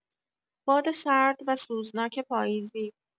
باد سرد و سوزناک پاییزی